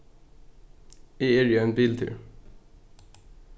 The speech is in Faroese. eg eri ein biltúr